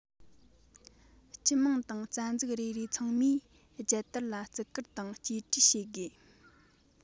སྤྱི དམངས དང རྩ འཛུགས རེ རེ ཚང མས རྒྱལ དར ལ བརྩི བཀུར དང གཅེས སྤྲས བྱེད དགོས